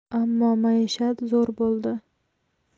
ammo maishat zo'r bo'ldi